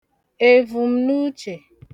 èvùmnuchè